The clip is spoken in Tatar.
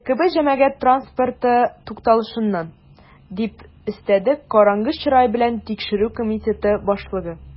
"ркб җәмәгать транспорты тукталышыннан", - дип өстәде караңгы чырай белән тикшерү комитеты башлыгы.